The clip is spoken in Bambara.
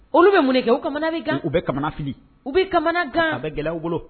Olu bɛ mun kɛ o bi kan u bɛ fili u bɛ kamana gan a bɛ gɛlɛnw bolo